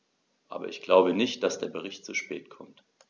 Aber ich glaube nicht, dass der Bericht zu spät kommt.